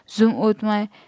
zum o'tmay